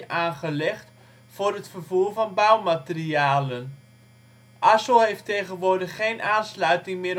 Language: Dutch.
aangelegd voor het vervoer van bouwmaterialen. Assel heeft tegenwoordig geen aansluiting